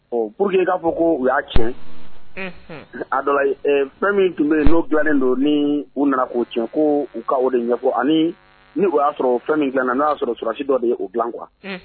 Ɔ pur que k'a fɔ ko u y'a tiɲɛ a dɔ fɛn min tun bɛ yen n'o jɔnen don ni u nana k'o cɛn ko u ka o de ɲɛ ɲɛfɔ ani o y'a sɔrɔ fɛn min dilan na n'a'a sɔrɔ sulasi dɔ de y'u bila kuwa